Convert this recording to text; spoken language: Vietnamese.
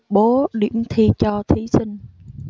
bố điểm thi cho thí sinh